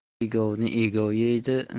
egovni egov yeydi